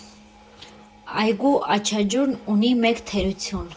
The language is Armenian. Այգու «Աչաջուրն» ունի մեկ թերություն.